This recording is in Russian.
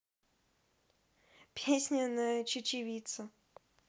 песня на чечевица